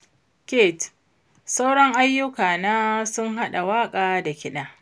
Keyti: Sauran ayyuka na sun haɗa waƙa da kiɗa.